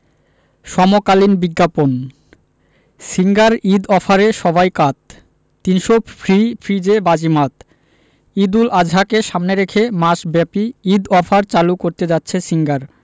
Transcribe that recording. সমকালীন বিজ্ঞাপন সিঙ্গার ঈদ অফারে সবাই কাত ৩০০ ফ্রি ফ্রিজে বাজিমাত ঈদুল আজহাকে সামনে রেখে মাসব্যাপী ঈদ অফার চালু করতে যাচ্ছে সিঙ্গার